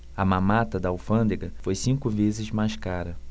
a mamata da alfândega foi cinco vezes mais cara